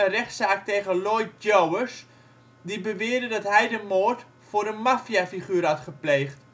rechtszaak tegen Loyd Jowers, die beweerde dat hij de moord voor een maffiafiguur had gepleegd